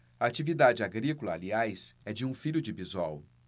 a atividade agrícola aliás é de um filho de bisol